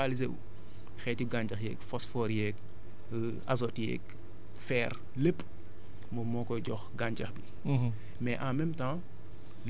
te bu décomposé bu baax ba minéralisé wu xeetu gàncax yeeg phosphore yeeg azote yeeg fer lépp moom moo koy jox gàncax bi